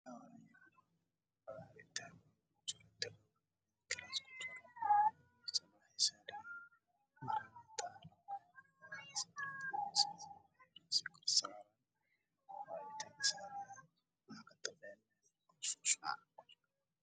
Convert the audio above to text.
Waa miis waxaa saaran laba koob waxaa ku jiro ka midabkiisa yahay binkii meesha uu saaran yahayna waa maalmihiis qaxwi ah